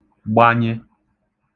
gbanye